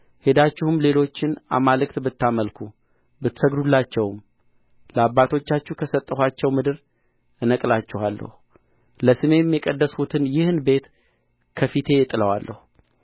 ሄዳችሁም ሌሎችን አማልክት ብታመልኩ ብትሰግዱላቸውም ለአባቶቻችሁ ከሰጠኋቸው ምድር እነቅላችኋለሁ ለስሜም የቀደስሁትን ይህን ቤት ከፊቴ እጥለዋለሁ